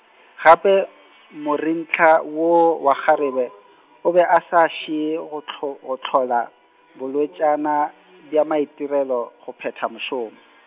gape, morentha woo wa kgarebe, o be a sa šie go hlo-, go hlola, bolwetšana, bja maitirelo go phetha mošomo.